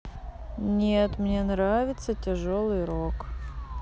нет мне нравится тяжелый рок